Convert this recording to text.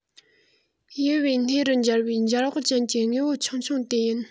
ཡུ བའི སྣེ རུ འབྱར བའི འབྱར བག ཅན གྱི དངོས པོ ཆུང ཆུང དེ ཡིན